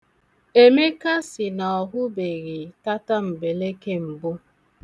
Emeka sị na ọ hụbeghị tatam̀bèlekē mbu.